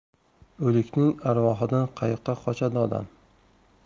o'likning arvohidan qayoqqa qochadi odam